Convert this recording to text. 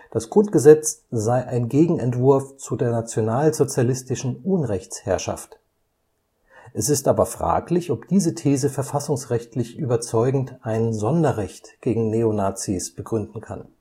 Das Grundgesetz sei ein Gegenentwurf zu der nationalsozialistischen Unrechtsherrschaft. Es ist aber fraglich, ob diese These verfassungsrechtlich überzeugend ein „ Sonderrecht “gegen Neonazis begründen kann